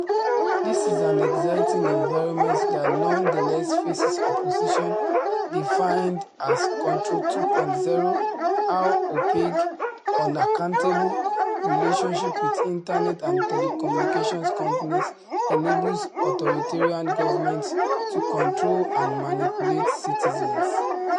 This is an exciting environment that nonetheless faces opposition, defined as “Control 2.0”: “…how opaque, unaccountable relationships with Internet and telecommunications companies enables authoritarian governments to control and manipulate citizens.”